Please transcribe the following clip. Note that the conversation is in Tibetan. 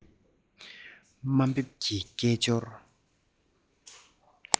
དམའ འབེབས ཀྱི སྐད ཅོར